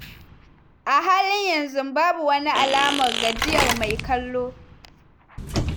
A halin yanzu, babu wani alamar gajiyar mai kallo.